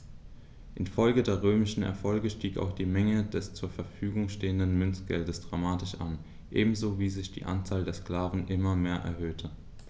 Infolge der römischen Erfolge stieg auch die Menge des zur Verfügung stehenden Münzgeldes dramatisch an, ebenso wie sich die Anzahl der Sklaven immer mehr erhöhte.